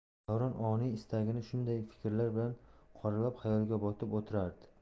davron oniy istagini shunday fikrlar bilan qoralab xayolga botib o'tirardi